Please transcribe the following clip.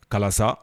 Kala sa